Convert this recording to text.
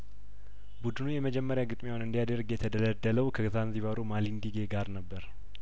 ቡድኑ የመጀመሪያ ግጥሚያውን እንዲያደርግ የተደለደለው ከዛንዚባሩ ማሊንዲጌ ጋር ነበር